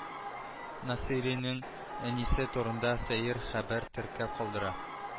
Насыйриның әнисе турында сәер хәбәр теркәп калдыра